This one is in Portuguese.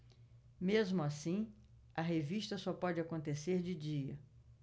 mesmo assim a revista só pode acontecer de dia